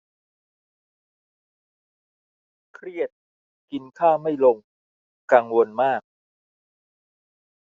เครียดกินข้าวไม่ลงกังวลมาก